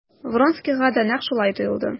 Вронскийга да нәкъ шулай тоелды.